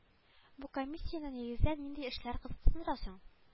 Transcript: Бу комиссияне нигездә нинди эшләр кызыксындыра соң